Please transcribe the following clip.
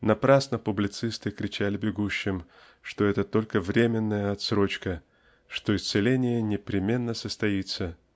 Напрасно публицисты крича ли бегущим что это--только временная отсрочка что исцеление непременно состоится